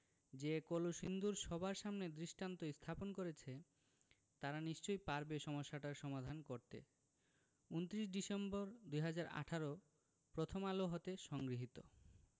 যে কলসিন্দুর সবার সামনে দৃষ্টান্ত স্থাপন করেছে তারা নিশ্চয়ই পারবে সমস্যাটার সমাধান করতে ২৯ ডিসেম্বর ২০১৮ প্রথম আলো হতে সংগৃহীত